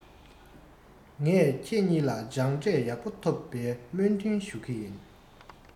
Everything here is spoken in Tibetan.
ངས ཁྱེད གཉིས ལ སྦྱངས འབྲས ཡག པོ ཐོབ པའི སྨོན འདུན ཞུ གི ཡིན